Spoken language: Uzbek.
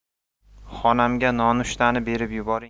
xonamga nonushtani berib yuboring